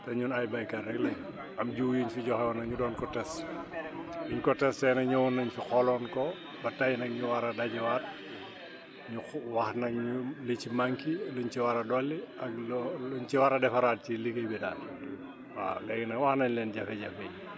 te ñun ay béykat rek lañ am jiw yuñ fi joxe woon rek ñu doon ko tester biñ ko tester nag ñëwoon nañ fi xooloon ko ba tey nag ñu war a dajewaat ñu xo wax nañ ñu li si manqué liñ ci war a dolli ak loo luñ ci war a defaraat ci liggéey bi daal waaw léegi nag wax nañ leen jafe-jafe yi